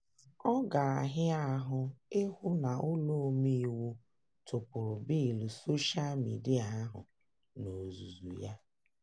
Nke a bụ n'ihi na mba Afịrịka nke kacha nwee ọnụọgụgụ mmadụ ga-adaba nke ọma n'ọchịchị aka ike n'ozuzu ozugbo e kpochapụrụ nnwere onwe n'igosipụta onwe kpamkpam.